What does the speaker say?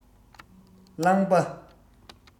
རླངས པ